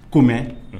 Kɔmi mɛn